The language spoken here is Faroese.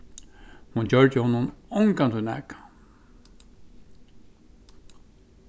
hon gjørdi honum ongantíð nakað